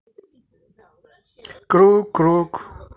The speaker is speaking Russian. круг круг